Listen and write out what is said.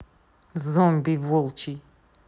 zombie волчий